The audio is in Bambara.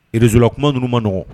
Rzola kuma ninnu maɔgɔn